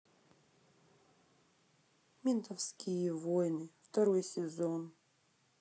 ментовские войны второй сезон